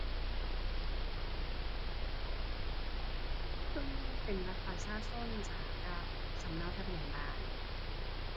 ส่วนใหญ่เป็นบัตรประชาชนจ้ะ กับสำเนาทะเบียนบ้าน